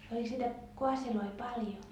olikos niitä kaaseita paljon